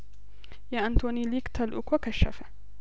የአንቶኒ ሊክ ተልእኮ ከሸፈ